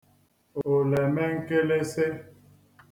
òlèmenkịlị̄sị̄